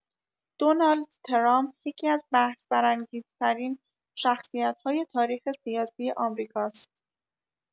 دونالد ترامپ، یکی‌از بحث‌برانگیزترین شخصیت‌های تاریخ سیاسی آمریکاست.